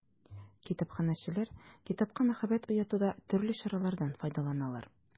Китапханәчеләр китапка мәхәббәт уятуда төрле чаралардан файдаланалар.